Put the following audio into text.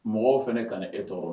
Mɔgɔw fana ka na e tɔɔrɔ.